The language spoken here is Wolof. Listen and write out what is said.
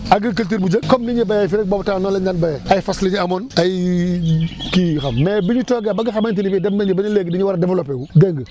agriculture bu njëkk comme ni ñuy béyee fii rek boobu temps noonu la ñu daan béyee ay fas la ñu amoon ay kii yi xam mais bi ñu toogee ba nga xamante ni bii dem nañu ba ni léegi dañu war a développé wu dégg nga